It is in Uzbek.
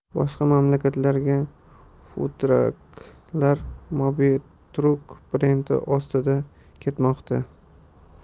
boshqa mamlakatlarga fudtrak lar mobi truck brendi ostida ketmoqda